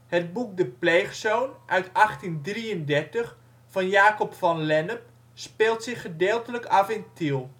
Het boek De pleegzoon (1833) van Jacob van Lennep speelt zich gedeeltelijk af in Tiel